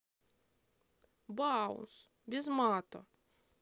баунс без мата